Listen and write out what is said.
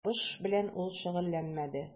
Табыш белән ул шөгыльләнмәде.